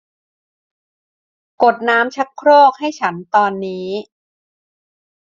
กดน้ำชักโครกให้ฉันตอนนี้